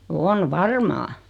on varmaan